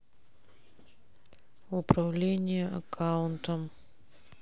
управление аккаунтом